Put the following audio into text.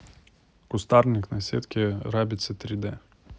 кустарник на сетке рабице три д